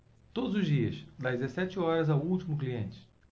todos os dias das dezessete horas ao último cliente